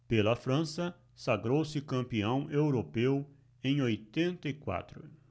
pela frança sagrou-se campeão europeu em oitenta e quatro